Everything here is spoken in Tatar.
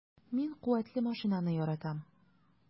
Мин куәтле машинаны яратам.